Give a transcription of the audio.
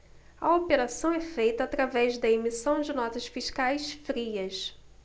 a operação é feita através da emissão de notas fiscais frias